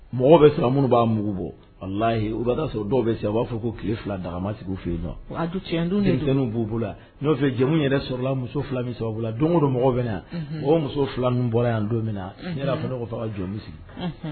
Mɔgɔw bɛ sɔrɔ munun ba mugu bɔ . Walayi o ba sɔrɔ dɔw bi se a ba fɔ ko kile fila daga ma sigi u fe yen . Denmisɛnninw bu bolo nɔfɛ . N ba fi ye jamu yɛrɛ sɔrɔla muso fila min sababu la don gon don mɔgɔ bɛ yan mɔgɔ muso fila min bɔra yan don min na tɔgɔ ka jɔn bɛ sigi